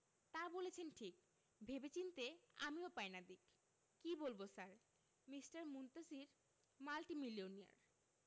তা বলেছেন ঠিক ভেবে চিন্তে আমিও পাই না দিক কি বলব স্যার মিঃ মুনতাসীর মাল্টিমিলিওনার